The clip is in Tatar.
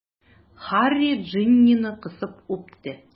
Һарри Джиннины кысып үпте.